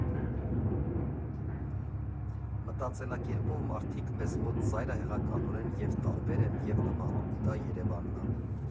Մտածելակերպով մարդիկ մեզ մոտ ծայրահեղականորեն և՛ տարբեր են, և՛ նման, ու դա Երևանն ա։